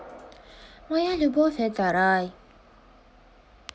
моя любовь это рай